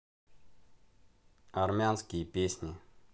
армянские песни